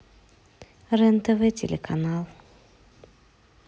рен тв телеканал